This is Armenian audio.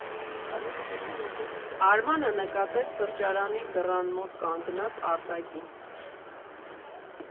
Արմանը նկատեց սրճարանի դռան մոտ կանգնած Արտակին։